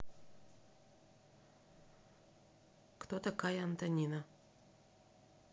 кто такая антонина